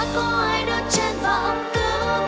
vì đã